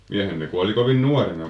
miehenne kuoli kovin nuorena